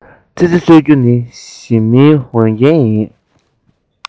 ཙི ཙི གསོད རྒྱུ ནི ཞི མིའི འོས འགན ཡིན